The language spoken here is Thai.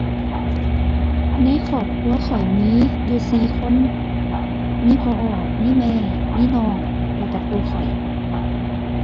ในครอบครัวข้อยมีอยู่สี่คน มีพ่อ มีแม่ มีน้อง แล้วก็ก็ข้อย